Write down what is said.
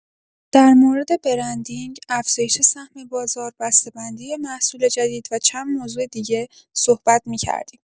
در مورد برندینگ، افزایش سهم بازار، بسته‌بندی محصول جدید و چند موضوع دیگه صحبت می‌کردیم.